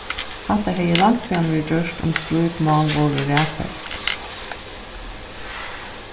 hatta hevði langt síðani verið gjørt um slík mál vórðu raðfest